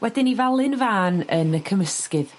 Wedyn 'u falu'n fân yn y cymysgydd.